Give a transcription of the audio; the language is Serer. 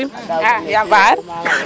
A yaam fa xar ?